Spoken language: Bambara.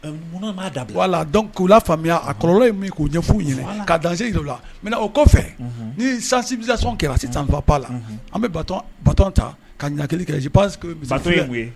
La k' laa faamuya a kɔrɔ in min k'u ɲɛ' ɲini ka dansigi la o kɔfɛ ni sansi sɔn kɛlɛsi sanfap la an bɛ ta ka ɲaga